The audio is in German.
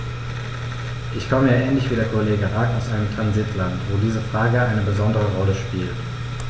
Ich komme ja ähnlich wie der Kollege Rack aus einem Transitland, wo diese Frage eine besondere Rolle spielt.